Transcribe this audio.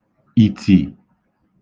ìtì